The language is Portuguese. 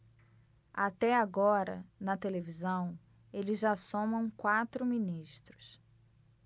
até agora na televisão eles já somam quatro ministros